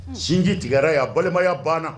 Sinji tigɛra yan balimaya banna.